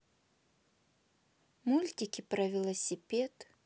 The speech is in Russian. мультики про велосипед